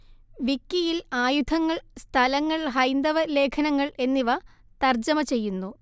വിക്കിയില്‍ ആയുധങ്ങള്‍ സ്ഥലങ്ങള്‍ ഹൈന്ദവ ലേഖനങ്ങള്‍ എന്നിവ തര്‍ജ്ജമ ചെയ്യുന്നു